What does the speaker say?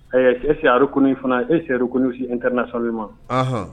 Ɛɛ et c'est à reconnu fana et c'est reconnu aussi internationalement anhan